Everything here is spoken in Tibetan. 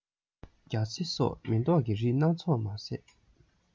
རྒྱ སེ སོགས མེ ཏོག གི རིགས སྣ ཚོགས མ ཟད